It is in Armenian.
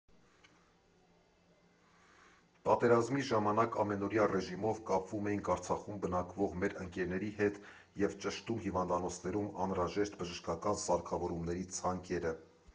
Պատերազմի ժամանակ ամենօրյա ռեժիմով կապվում էինք Արցախում բնակվող մեր ընկերների հետ և ճշտում հիվանդանոցներում անհրաժեշտ բժշկական սարքավորումների ցանկերը։